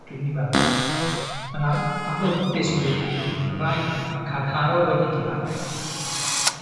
###driwn ni weld, yn am- amlwg beth sydd wedi digwydd, ma' 'na ddau beth, ma' carcharor wedi dianc,